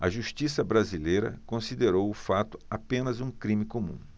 a justiça brasileira considerou o fato apenas um crime comum